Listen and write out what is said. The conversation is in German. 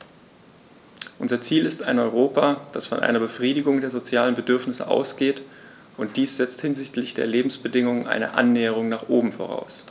Unser Ziel ist ein Europa, das von einer Befriedigung der sozialen Bedürfnisse ausgeht, und dies setzt hinsichtlich der Lebensbedingungen eine Annäherung nach oben voraus.